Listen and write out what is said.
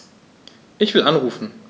Ich will anrufen.